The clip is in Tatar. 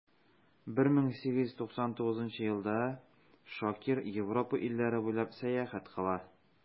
1899 елда шакир европа илләре буйлап сәяхәт кыла.